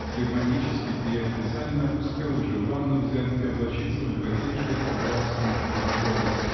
Флегматический приятель Санина успел уже ванну взять и облачиться в богатейший атласный шлафрок